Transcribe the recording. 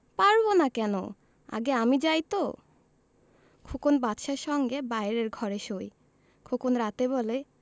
পারব না কেন আগে আমি যাই তো খোকন বাদশার সঙ্গে বাইরের ঘরে শোয় খোকন রাতে বলে